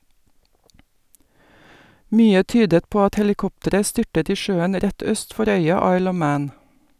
Mye tydet på at helikopteret styrtet i sjøen rett øst for øya Isle of Man.